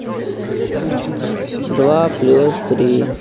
два плюс три